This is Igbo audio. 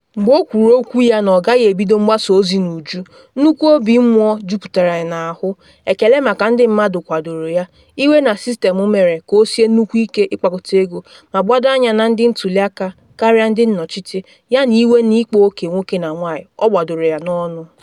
Mgbe o kwuru okwu ya na ọ gaghị ebido mgbasa ozi n’uju, nnukwu obi mmụọ juputara ya n’ahụ - ekele maka ndị mmadụ kwadoro ya, iwe na sistemụ mere ka o sie nnukwu ike ịkpakọta ego ma gbado anya na ndị ntuli aka karịa ndị nnọchite, yana iwe na ịkpa oke nwoke na nwanyị - o gbadoro ya n’onu.